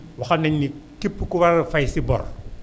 waxoon nañ ni képp ku war a fay si bor